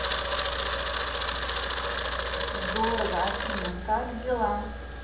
здорово афина как дела